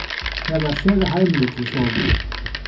tað var sera harmiligt við soninum